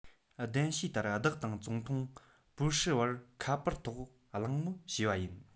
གདན ཞུས ལྟར བདག དང ཙུང ཐུང པུའུ ཧྲི བར ཁ པར ཐོག གླེང མོལ བྱས པ ཡིན